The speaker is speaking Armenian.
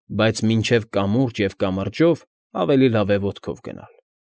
Բայց մինչև կամուրջ և կամրջով ավելի լավ է ոտքով գնալ։